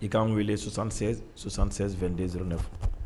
I k'an wele 76 76 22 09